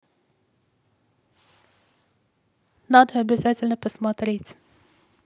надо обязательно посмотреть